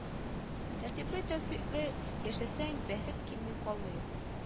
Тәртипле-тәүфыйклы яшәсәң бәхет килми калмый ул